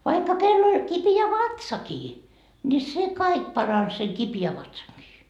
vaikka kenellä oli kipeä vatsakin niin se kaikki paransi sen kipeän vatsankin